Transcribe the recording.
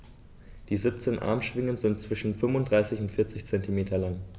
Die 17 Armschwingen sind zwischen 35 und 40 cm lang.